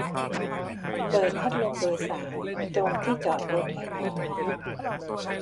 เปิดพัดลมเบอร์สามตรงที่จอดรถให้หน่อย